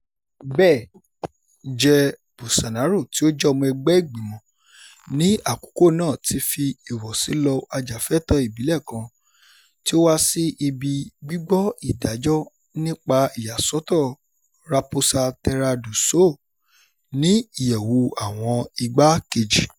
Bẹ́ẹ̀, Jair Bolsonaro tí ó jẹ́ ọmọ ẹgbẹ́ ìgbìmọ̀ ní àkókò náà ti fi ìwọ̀sí lọ ajàfẹ́tọ̀ọ́ ìbílẹ̀ kan tí ó wá sí ibi gbígbọ́ ìdájọ́ nípa ìyàsọ́tọ̀ Raposa Terra do Sol ní ìyẹ̀wù àwọn igbá-kejì.